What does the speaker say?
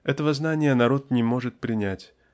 Этого знания народ не может принять